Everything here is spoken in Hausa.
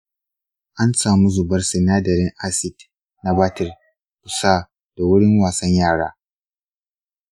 an samu zubar sinadarin acid na batir kusa da wurin wasan yara.